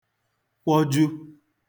kwọju